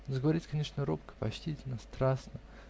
заговорить, конечно, робко, почтительно, страстно